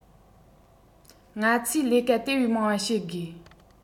ང ཚོས ལས ཀ དེ བས མང བ བྱེད དགོས